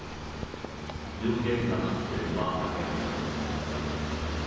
nú hevur hann aftur málað garðin